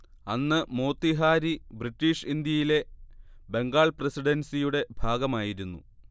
അന്ന് മോത്തിഹാരി ബ്രിട്ടീഷ് ഇന്ത്യയിലെ ബംഗാൾ പ്രസിഡൻസിയുടെ ഭാഗമായിരുന്നു